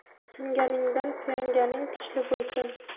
sig'inganingdan suyanganing kuchli bo'lsin